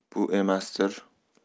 bu emasdir